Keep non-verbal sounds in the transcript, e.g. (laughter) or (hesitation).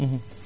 (hesitation) (hesitation)